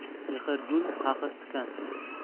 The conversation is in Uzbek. mehr gul qahr tikan